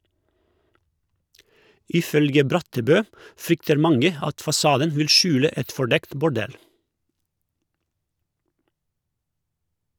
Ifølge Brattebø frykter mange at fasaden vil skjule et fordekt bordell.